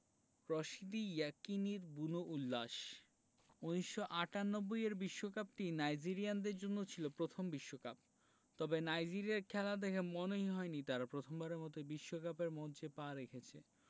Rashidi ইয়েকিনীর বুনো উল্লাস ১৯৯৮ এর বিশ্বকাপটি নাইজেরিয়ানদের জন্য ছিল প্রথম বিশ্বকাপ তবে নাইজেরিয়ার খেলা দেখে মনেই হয়নি তারা প্রথমবারের মতো বিশ্বকাপের মঞ্চে পা রেখেছে